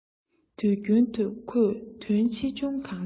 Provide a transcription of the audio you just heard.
དུས རྒྱུན དུ ཁོས དོན ཆེ ཆུང གང འདྲ